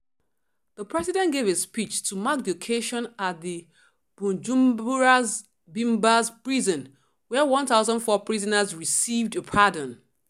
The president gave a speech to mark the occasion at Bujumbura’s Mpimba prison, where 1,400 prisoners received a pardon.